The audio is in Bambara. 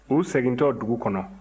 u segintɔ dugu kɔnɔ